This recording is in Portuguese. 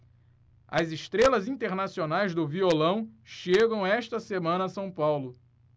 as estrelas internacionais do violão chegam esta semana a são paulo